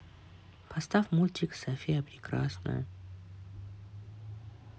поставь мультик софия прекрасная